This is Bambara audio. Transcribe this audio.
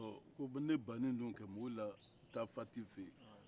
ɔ ko ne bannen do ka mɔɔw lataa fati fɛ yen